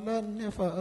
Ne faa